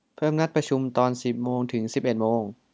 เพิ่มนัดประชุมตอนสิบโมงถึงสิบเอ็ดโมง